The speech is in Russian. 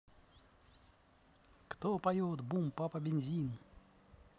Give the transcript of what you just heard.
кто поет бум папа бензин